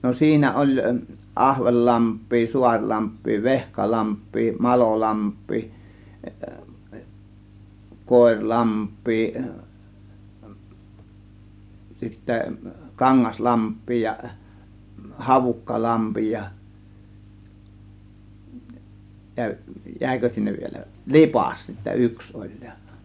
no siinä oli Ahvenlampea Suurlampea Vehkalampea Malolampea Koira lampea sitten Kangas lampea ja Havukkalampi ja - jäikö sinne vielä Lipas sitten yksi oli ja